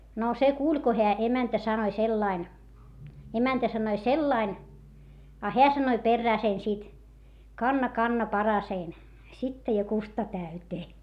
no se kuuli kun heidän emäntä sanoi sillä lailla emäntä sanoi sillä lailla a hän sanoi perään sen sitten kanna kanna paraseni sittaa ja kusta täyteen